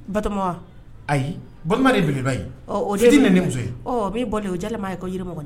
Ba ayi balimaba o de ni muso ye bi bɔ o jeli' ye ka jirimɔgɔ